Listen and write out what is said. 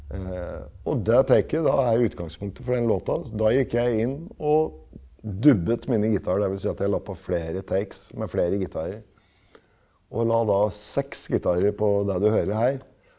og det taket da er utgangspunktet for den låta, så da gikk jeg inn og dubbet mine gitarer, dvs. at jeg la på flere takes med flere gitarer og la da seks gitarer på det du hører her.